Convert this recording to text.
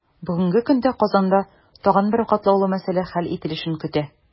Бүгенге көндә Казанда тагын бер катлаулы мәсьәлә хәл ителешен көтә.